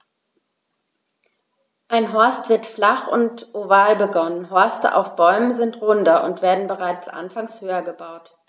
Ein Horst wird flach und oval begonnen, Horste auf Bäumen sind runder und werden bereits anfangs höher gebaut.